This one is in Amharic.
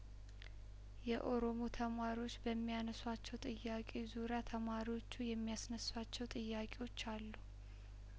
የኦሮሞ ተማሪዎች በሚያነሷቸው ጥያቄዎች ዙሪያ ተማሪዎቹ የሚያስነሷቸው ጥያቄዎች አሉ